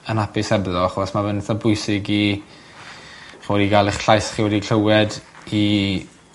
yn apus hebddo achos ma' fe'n itha pwysig i rhoi i ga'l eich llais chi wedi clywed i